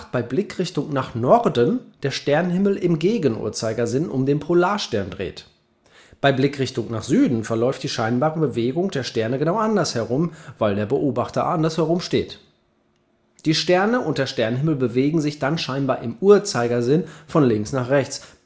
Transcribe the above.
Bei Blickrichtung nach Norden dreht sich während der Nacht der Sternenhimmel im Gegenuhrzeigersinn um den Polarstern. Bei Blickrichtung nach Süden verläuft die scheinbare Bewegung der Sterne genau andersherum (weil der Beobachter andersherum steht): Die Sterne und der Sternenhimmel bewegen sich scheinbar im Uhrzeigersinn von links (Osten) nach rechts (Westen). Auch im Ablauf eines Jahres ergibt sich bei Blick nach Norden die gleiche Bewegung im Gegenuhrzeigersinn, nur langsamer. Bei Blick nach Süden ist die scheinbare Bewegung dann wieder im Uhrzeigersinn von links nach rechts